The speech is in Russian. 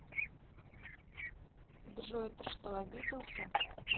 джой ты что обиделся